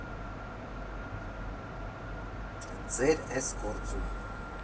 Ձեր էս գործում։